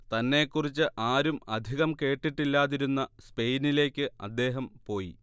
തന്നെക്കുറിച്ച് ആരും അധികം കേട്ടിട്ടില്ലാതിരുന്ന സ്പെയിനിലേയ്ക്ക് അദ്ദേഹം പോയി